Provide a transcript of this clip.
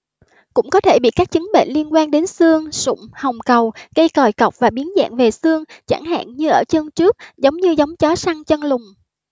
cũng có thể bị các chứng bệnh liên quan đến xương sụn hồng cầu gây còi cọc và biến dạng về xương chẳng hạn như ở chân trước giống như giống chó săn chân lùn